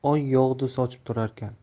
ham oy yog'du sochib turarkan